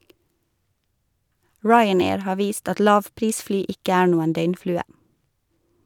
Ryanair har vist at lavprisfly ikke er noen døgnflue.